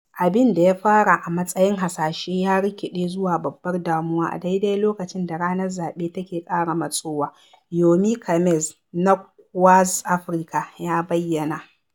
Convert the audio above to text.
Abin da ya fara a matsayin hasashe ya rikiɗe zuwa babbar damuwa a daidai lokaicn da ranar zaɓe take ƙara matsowa. Yomi Kamez na ƙuartz Africa ya bayyana: